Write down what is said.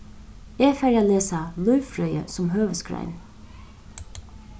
eg fari at lesa lívfrøði sum høvuðsgrein